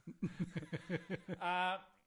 A